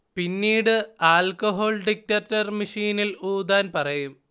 പിന്നീട് alcohol detector മെഷീനിൽ ഊതാൻ പറയും